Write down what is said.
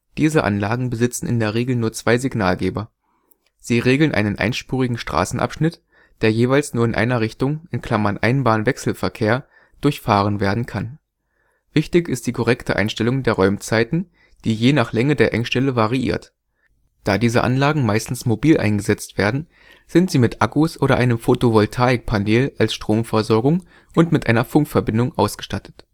Diese Anlagen besitzen in der Regel nur zwei Signalgeber. Sie regeln einen einspurigen Straßenabschnitt, der jeweils nur in einer Richtung (Einbahnwechselverkehr) durchfahren werden kann. Wichtig ist die korrekte Einstellung der Räumzeiten, die je nach der Länge der Engstelle variiert. Da diese Anlagen meistens mobil eingesetzt werden, sind sie mit Akkus oder einem Photovoltaik-Paneel als Stromversorgung und mit einer Funkverbindung ausgestattet